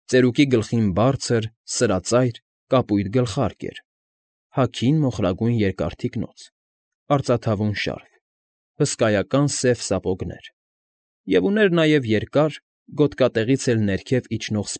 Ծերուկի գլխին բարձր, սրածայր, կապույտ գլխարկ էր, հագին՝ մոխրագույն երկար թիկնոց, արծաթավուն շարֆ, հսկայական սև սապոգներ, և ուներ նաև երկար, գոտկատեղից էլ ներքև իջնող։